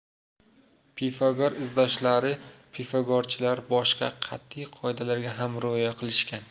pifagor izdoshlari pifagorchilar boshqa qat'iy qoidalarga ham rioya qilishgan